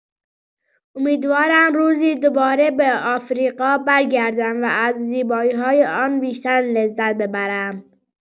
امیدوارم روزی دوباره به آفریقا برگردم و از زیبایی‌های آن بیشتر لذت ببرم.